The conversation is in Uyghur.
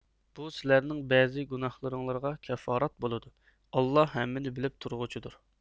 بۇ سىلەرنىڭ بەزى گۇناھلىرىڭلارغا كەففارەت بولىدۇ ئاللاھ ھەممىنى بىلىپ تۇرغۇچىدۇر